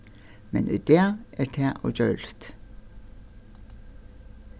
men í dag er tað ógjørligt